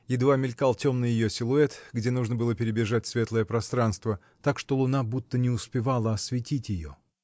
едва мелькал темный ее силуэт, где нужно было перебежать светлое пространство, так что луна будто не успевала осветить ее.